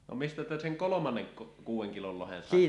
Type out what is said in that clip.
no mistä te sen kolmannen kuuden kilon lohen saitte